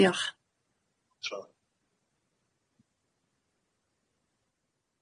Dioch.